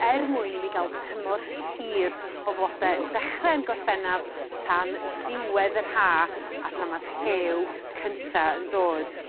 er mwyn i mi ga'l tymor hir o flode yn dechre yn Gorffennaf tan ddiwedd yr Ha a tan ma' rhew cynta yn dod.